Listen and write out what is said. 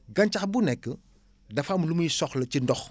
gàncax bu nekk dafa am lu muy soxla ci ndox